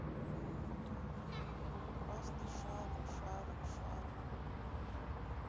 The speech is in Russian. красный шарик шарик шарик